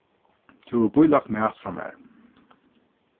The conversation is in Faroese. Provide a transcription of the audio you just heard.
tú hevur bílagt mat frá mær